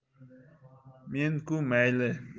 men ku mayli